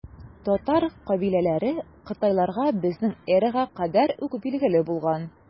Татар кабиләләре кытайларга безнең эрага кадәр үк билгеле булган.